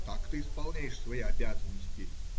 Так ты исполняешь свои обязанности?